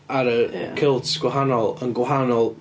Ar y... Ie ...Kilts gwahanol yn gwahanol...